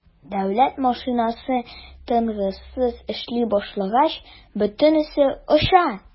Дәүләт машинасы тынгысыз эшли башлагач - бөтенесе оча.